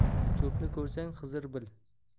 cho'pni ko'rsang xizr bil